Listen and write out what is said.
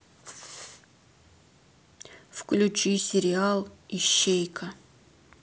включи сериал ищейка